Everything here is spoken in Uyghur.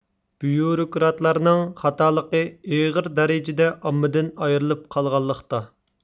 بيۇروكراتلارنىڭ خاتالىقى ئېغىر دەرىجىدە ئاممىدىن ئايرىلىپ قالغانلىقتا